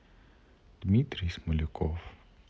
дмитрий смоляков